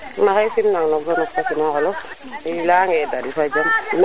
mexey sim nang no gonof fono sima ngolof i leya nge gari fa jam